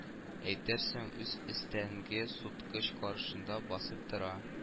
Әйтерсең, үз өстендәге суыткыч каршында басып тора